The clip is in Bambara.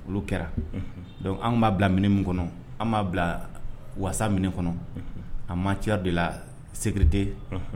Olu kɛra donc an tun b'a bila minɛn kɔnɔ an tun b'a bila wasa minɛn kɔnɔ en matière de la sécurité